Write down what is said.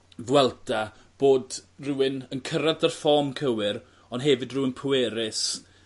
Vuelta bod rhywun yn cyrradd y form cywir on' hefyd rywun pwerus